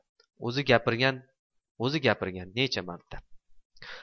o'zi gapirgan necha marta